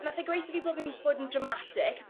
A nath e gweu' 'tho fi bo' fi'n bod yn dramatic